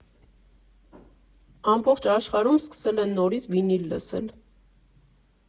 Ամբողջ աշխարհում սկսել են նորից վինիլ լսել։